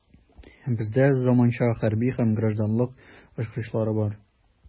Бездә заманча хәрби һәм гражданлык очкычлары бар.